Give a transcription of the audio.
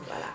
voilà